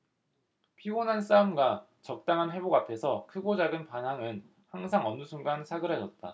피곤한 싸움과 적당한 회복 앞에서 크고 작은 반항은 항상 어느 순간 사그라졌다